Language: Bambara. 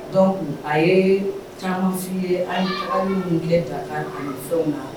Donc a ye carence ye an ye taali min kɛ Dakari fɛnw na